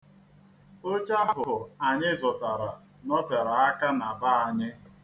Oche ahụ anyị zụtara notere aka na be anyị.